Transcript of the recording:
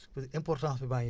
parce que importance baa ngi